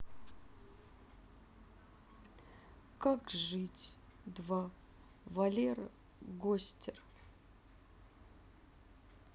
как жить два валера гостер